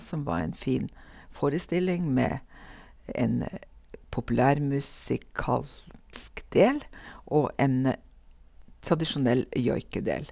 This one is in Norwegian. Som var en fin forestilling med en populærmusikalsk del, og en tradisjonell joikedel.